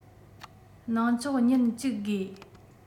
གནང ཆོག ཉིན ༡ དགོས